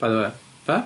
By the wê, be'?